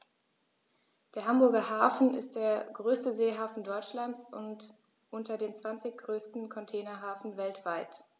Der Hamburger Hafen ist der größte Seehafen Deutschlands und unter den zwanzig größten Containerhäfen weltweit.